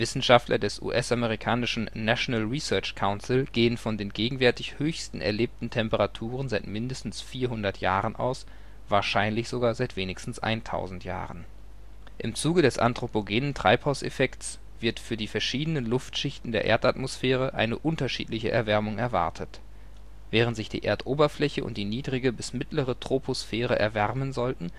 Wissenschaftler des US-amerikanischen National Research Council gehen von den gegenwärtig höchsten erlebten Temperaturen seit mindestens 400 Jahren aus, wahrscheinlich sogar seit wenigstens 1000 Jahren. Im Zuge des anthropogenen Treibhauseffekts wird für die verschiedenen Luftschichten der Erdatmosphäre eine unterschiedliche Erwärmung erwartet. Während sich die Erdoberfläche und die niedrige bis mittlere Troposphäre erwärmen sollten